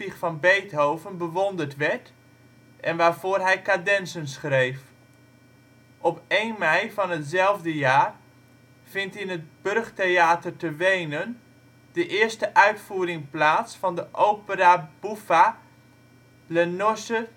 van Beethoven bewonderd werd en waarvoor hij cadenzen schreef. Op 1 mei van hetzelfde jaar vindt in het Burgtheater te Wenen de eerste uitvoering plaats van de opera buffa ' Le nozze